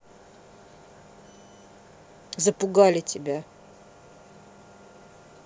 запугали тебя